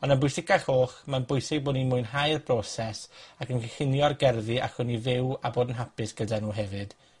On' yn bwysicach oll, ma'n bwysig bo' ni'n mwynhau'r broses, ac yn gyllunio'r gerddi allwn ni fyw, a bod yn hapus gyda nw hefyd.